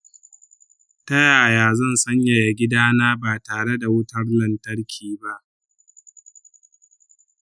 ta yaya zan sanyaya gidana ba tare da wutar lantarki ba?